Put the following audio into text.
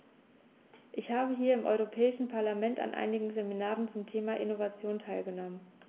Ich habe hier im Europäischen Parlament an einigen Seminaren zum Thema "Innovation" teilgenommen.